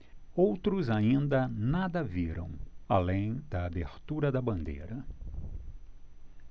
outros ainda nada viram além da abertura da bandeira